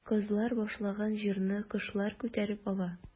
Кызлар башлаган җырны кошлар күтәреп ала.